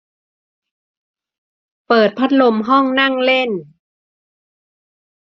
เปิดพัดลมห้องนั่งเล่น